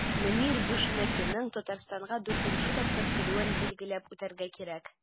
Мөнир Бушенакиның Татарстанга 4 нче тапкыр килүен билгеләп үтәргә кирәк.